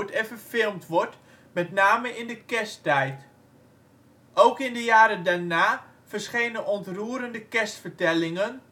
en verfilmd wordt, met name in de kersttijd. Ook in de jaren daarna verschenen ontroerende kerstvertellingen